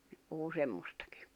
ne puhui semmoistakin